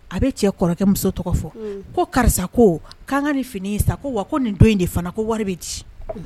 A bɛ cɛ kɔrɔkɛ muso tɔgɔ fɔ ko karisa ko k' ka nin fini sa wa ko nin don in de fana ko wari bɛ di